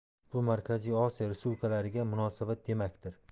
bu markaziy osiyo respublikalariga munosabat demakdir